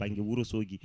walla banggue Wourossogui